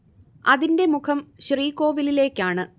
അതിന്റെ മുഖം ശ്രീകോവിലിലേക്കാണ്